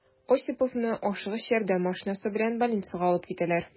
Осиповны «Ашыгыч ярдәм» машинасы белән больницага алып китәләр.